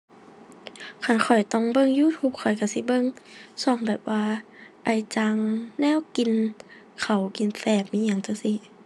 คันข้อยต้องเบิ่ง YouTube ข้อยก็สิเบิ่ง ก็แบบว่า อัยจัง แนวกินข้าว กินแซ่บ อิหยังจั่งซี้